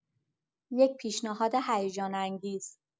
یک پیشنهاد هیجان‌انگیز؛